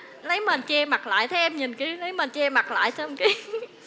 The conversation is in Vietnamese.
lấy mền che mặt lại thế em nhìn cái lấy mền che mặt lại xong cái